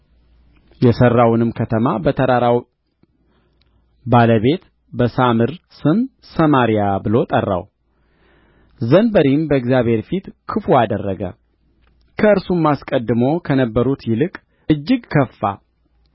የሠራውንም ከተማ በተራራው ባለቤት በሳምር ስም ሰማርያ ብሎ ጠራው ዘንበሪም በእግዚአብሔር ፊት ክፉ አደረገ ከእርሱም አስቀድሞ ከነበሩት ይልቅ እጅግ ከፋ